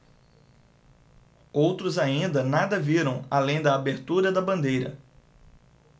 outros ainda nada viram além da abertura da bandeira